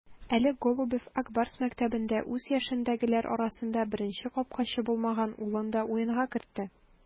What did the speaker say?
Әле Голубев "Ак Барс" мәктәбендә үз яшендәгеләр арасында беренче капкачы булмаган улын да уенга кертте.